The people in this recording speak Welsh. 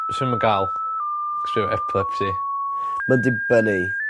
Fyswn 'im yn ga'l. 'C'os fi efo epilepsi. ma'n dibynnu.